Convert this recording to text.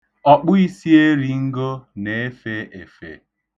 Okpuisieringo na-efe efe.